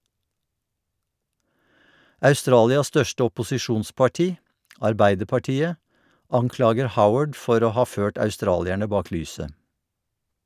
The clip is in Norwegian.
Australias største opposisjonsparti - Arbeiderpartiet - anklager Howard for å ha ført australierne bak lyset.